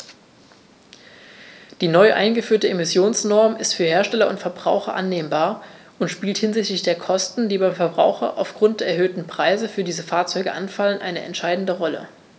Die neu eingeführte Emissionsnorm ist für Hersteller und Verbraucher annehmbar und spielt hinsichtlich der Kosten, die beim Verbraucher aufgrund der erhöhten Preise für diese Fahrzeuge anfallen, eine entscheidende Rolle.